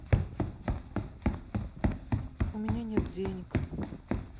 у меня нет денег